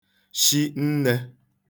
shi nnē